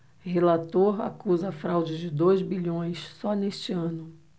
relator acusa fraude de dois bilhões só neste ano